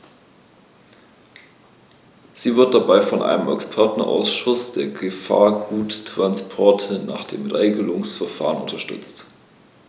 Sie wird dabei von einem Expertenausschuß für Gefahrguttransporte nach dem Regelungsverfahren unterstützt.